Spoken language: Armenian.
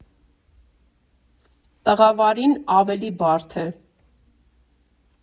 «Տղավարին» ավելի բարդ է.